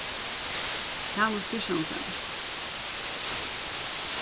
hanus christiansen